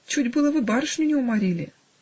Чуть было вы барышню не уморили".